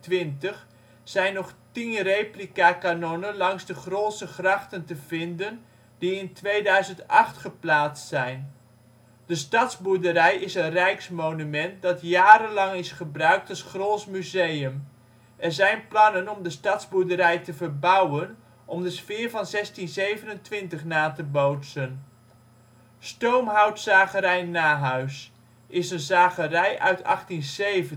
1625, zijn nog tien replica kanonnen langs de Grolse grachten te vinden die in 2008 geplaatst zijn. De stadsboerderij is een rijksmonument dat jarenlang is gebruikt als Grols museum. Er zijn plannen om de stadsboerderij te verbouwen om de sfeer van 1627 na te bootsen. Stoomhoutzagerij Nahuis is een zagerij uit 1870